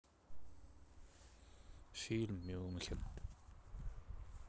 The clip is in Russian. фильм мюнхен